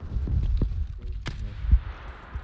у тебя есть муж